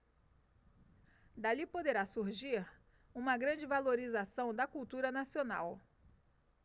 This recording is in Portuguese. dali poderá surgir uma grande valorização da cultura nacional